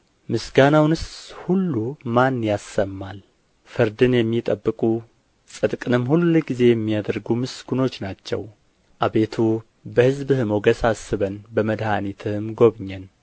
ምስጋናውንስ ሁሉ ማን ያሰማል ፍርድን የሚጠብቁ ጽድቅንም ሁልጊዜ የሚያደርጉ ምስጉኖች ናቸው አቤቱ በሕዝብህ ሞገስ አስበን በመድኃኒትህም ጐብኘን